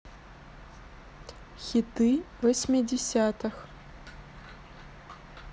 хиты восьмидесятых